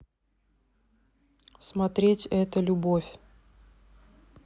смотреть это любовь